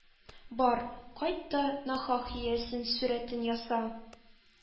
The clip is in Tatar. — бар, кайт та нахак иясенең сурәтен яса